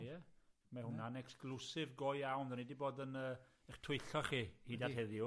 Ie, ma' hwnna'n exclusive go iawn, 'dan ni 'di bod yn yy 'ych twyllo chi hyd at heddiw.